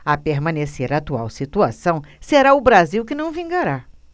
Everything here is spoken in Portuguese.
a permanecer a atual situação será o brasil que não vingará